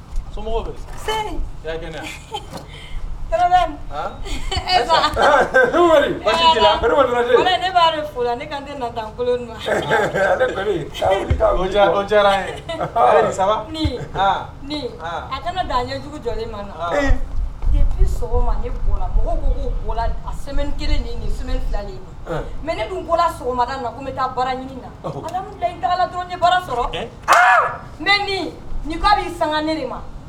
A kana da ɲɛjugu jɔlen ma na kelen mɛ ne dunla sɔgɔma bɛ taa ɲini na sɔrɔ ne san ne ma